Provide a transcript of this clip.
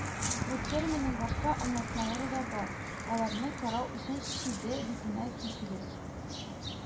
Бу терминның башка аңлатмалары да бар, аларны карау өчен Шиде битенә күчегез